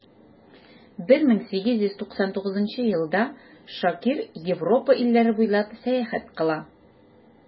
1899 елда шакир европа илләре буйлап сәяхәт кыла.